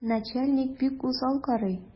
Начальник бик усал карый.